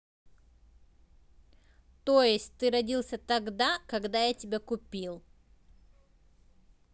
то есть ты родился тогда когда я тебя купил